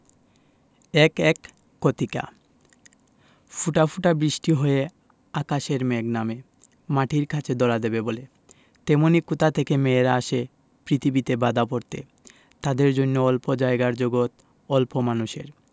১ ১ কথিকা ফোঁটা ফোঁটা বৃষ্টি হয়ে আকাশের মেঘ নামে মাটির কাছে ধরা দেবে বলে তেমনি কোথা থেকে মেয়েরা আসে পৃথিবীতে বাঁধা পড়তে তাদের জন্য অল্প জায়গার জগত অল্প মানুষের